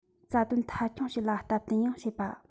རྩ དོན མཐའ འཁྱོངས བྱེད ལ སྟབས བསྟུན ཡང བྱེད པ